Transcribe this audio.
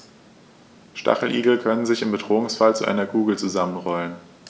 Stacheligel können sich im Bedrohungsfall zu einer Kugel zusammenrollen.